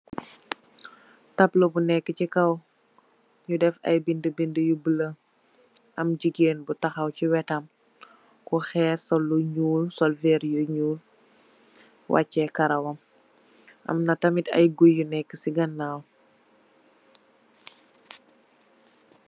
Tablu bu neka si kaw nyu def ay benda benda yu bulo am jigeen bu tawaw si wetam ku hess sol lu nuul sol werr yu nuul wacheh karawam amna tamit ay goi yu neka si kanaw.